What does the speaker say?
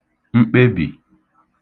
mkpebì